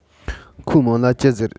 ཁོའི མིང ལ ཅི ཟེར